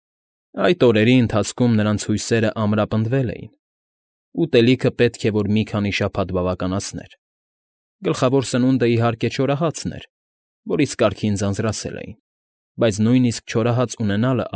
Այդ օրերի ընթացքում նրանց հույսերն ամրապնդվել էին. ուտելիքը պետք է որ մի քանի շաբաթ բավականացներ (գլխավոր սնունդն, իհարկե, չորահացն էր, որից կարգին ձանձրացել էին, բայց նույնիսկ չորահաց ունենալն։